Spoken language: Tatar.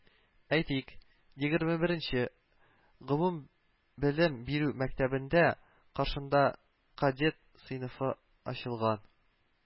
Әйтик, егерме беренче гомумбелем бирү мәктәбендә каршында кадет сыйныфы ачылган